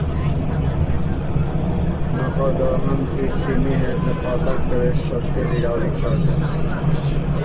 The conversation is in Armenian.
Նախագահն իր թիմի հետ նպատակ դրեց շտկել իրավիճակը։